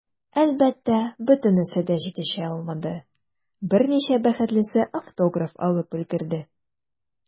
Әлбәттә, бөтенесе дә җитешә алмады, берничә бәхетлесе автограф алып өлгерде.